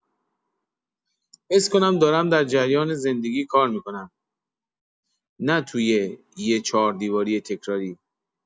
حس کنم دارم در جریان زندگی کار می‌کنم، نه توی یه چهاردیواری تکراری.